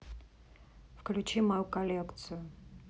включи мою коллекцию